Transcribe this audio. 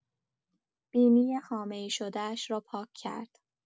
بینی خامه‌ای‌شده‌اش را پاک کرد.